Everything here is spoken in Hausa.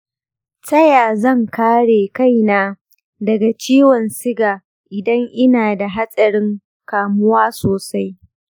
ta ya zan kare kaina daga ciwon siga idan ina da hatsarin kamuwa sosai?